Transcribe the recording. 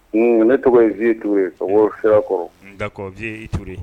Ne tɔgɔ ye ze tu ye ka bɔ sirakɔrɔ dakɔ ze y'iur